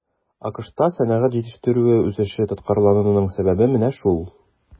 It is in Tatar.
АКШта сәнәгать җитештерүе үсеше тоткарлануның сәбәбе менә шул.